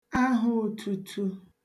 ahā ōtutu